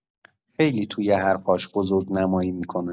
خیلی توی حرف‌هاش بزرگنمایی می‌کنه!